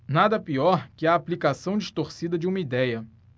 nada pior que a aplicação distorcida de uma idéia